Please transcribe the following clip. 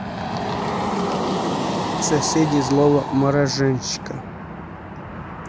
соседи злого мороженщика